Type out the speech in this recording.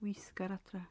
Weithgar adre.